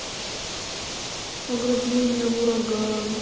ограбление в ураган